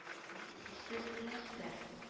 —сез нәрсә